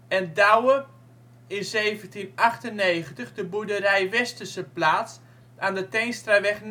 en Douwe in 1798 de boerderij westersche plaats aan de Teenstraweg